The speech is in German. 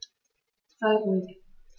Sei ruhig.